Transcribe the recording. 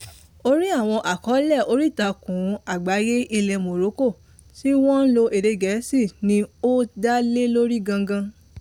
Orí àwọn àkọọ́lẹ̀ oríìtakùn àgbáyé ilẹ̀ Morocco tí wọ́n ń lo èdè Gẹ̀ẹ́sì ní ó dá lé lórí gangan.